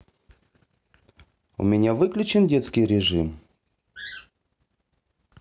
у меня выключен детский режим